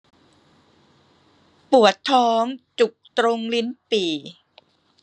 ปวดท้องจุกตรงลิ้นปี่